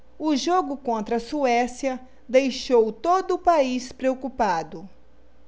o jogo contra a suécia deixou todo o país preocupado